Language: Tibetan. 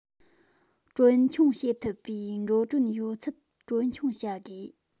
གྲོན ཆུང བྱེད ཐུབ པའི འགྲོ གྲོན ཡོད ཚད གྲོན ཆུང བྱ དགོས